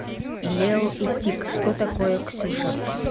лео и тиг что такое ксюша